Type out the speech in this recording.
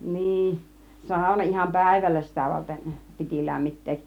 niin sauna ihan päivällä sitä varten piti lämmittää